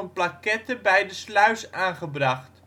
plaquette bij de sluis aangebracht